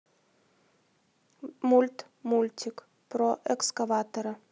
мульт мультик про экскаватора